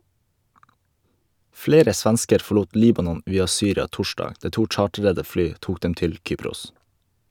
Flere svensker forlot Libanon via Syria torsdag, der to chartrede fly tok dem til Kypros.